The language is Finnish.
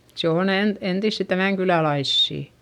se on - entisiä tämänkyläläisiä